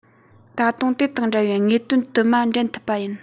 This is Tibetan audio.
ད དུང དེ དང འདྲ བའི དངོས དོན དུ མ འདྲེན ཐུབ པ ཡིན